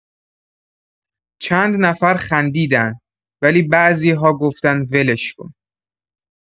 چند نفر خندیدن، ولی بعضی‌ها گفتن ولش کن.